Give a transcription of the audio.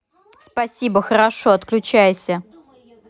спасибо хорошо отключайся